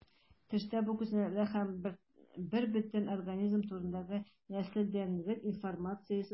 Төштә бу күзәнәк һәм бербөтен организм турында нәселдәнлек информациясе саклана.